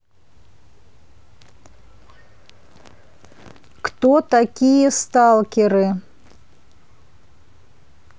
кто такие сталкеры